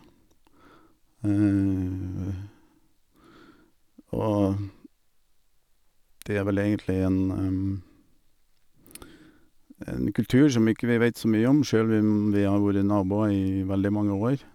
Og de er vel egentlig en en kultur som ikke vi vet så mye om selv vim vi har vore naboer i veldig mange år.